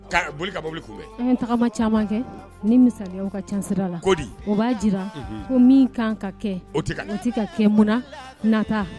' boli kabɛ n tagama caman kɛ ni mi ka ca la ko di o b'a jira ko min kan ka kɛ tɛ ka kɛbon nata